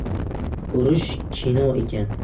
urush kino ekan